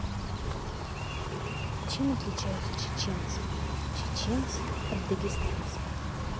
чем отличаются чеченцы чеченцы от дагестанцев